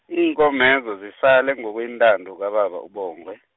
iinkomezo, zisale ngokwentando kababa uBongwe.